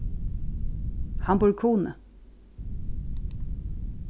hann býr í kunoy